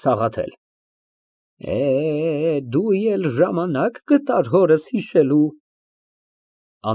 ՍԱՂԱԹԵԼ ֊ Էհ, դու էլ ժամանակ գտար հորս հիշելու։